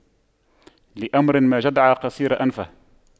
لأمر ما جدع قصير أنفه